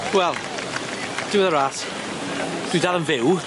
Wel, diwedd y ras. Dwi dal yn fyw.